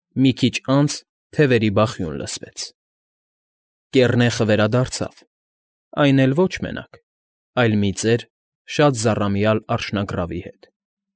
Մի քիչ անց թևերի բախյուն լսվեց, կեռնեխը վերադարձավ, այն էլ ոչ մենակ, այլ մի ծեր, շատ զառամյալ արջնագռավի հետ։